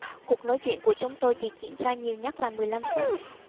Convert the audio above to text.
cuộc nói chuyện của chúng tôi chỉ diễn ra nhiều nhất là mười lăm phút